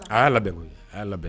A y' labɛn koyi a y' labɛn